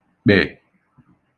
kpè